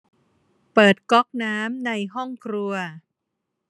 เปิดก๊อกน้ำในห้องครัว